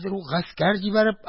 Хәзер үк гаскәр җибәреп